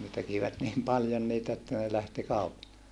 ne tekivät niin paljon niitä että ne lähti kaupalle